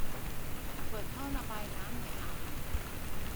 เปิดท่อระบายน้ำในอ่าง